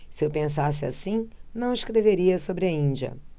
se eu pensasse assim não escreveria sobre a índia